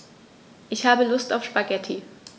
Ich habe Lust auf Spaghetti.